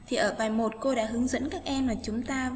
bài cô đã hướng dẫn các em ở chúng ta